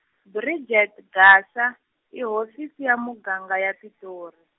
Bridget Gasa, i hofisi ya muganga ya Pitori.